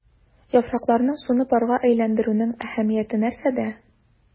Яфракларның суны парга әйләндерүнең әһәмияте нәрсәдә?